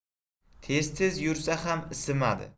tez tez yursa ham isimadi